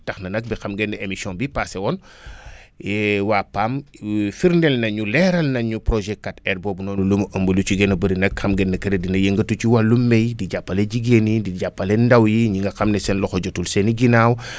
tax na nag ba xam ngeen ne émission bii passée woon waa PAM firndeel nañu leeral nañ ñu projet 4R boobu noonu lu mu ëmb lu ci gën a bëri nag xam ngeen que ni dina yëngatu ci wàllu mbéy di jàppale jigéen yi di jàppale ndaw yi ñi nga xam ne seen loxo jotul seen i ginnaaw